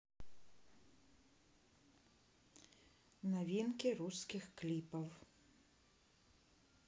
новинки русских клипов